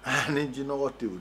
Aa ni jinɛɔgɔ tɛwu